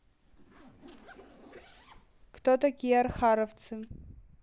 кто такие архаровцы